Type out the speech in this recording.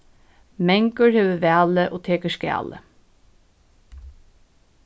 mangur hevur valið og tekur skalið